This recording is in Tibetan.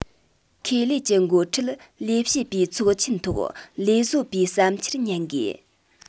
ཁེ ལས ཀྱི འགོ ཁྲིད ལས བྱེད པས ཚོགས ཆེན ཐོག ལས བཟོ པའི བསམ འཆར ཉན དགོས